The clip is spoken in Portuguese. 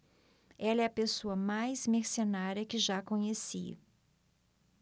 ela é a pessoa mais mercenária que já conheci